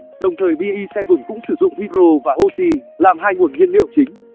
đồng thời be cũng sử dụng hydro và oxy làm hai nguồn nhiên liệu chính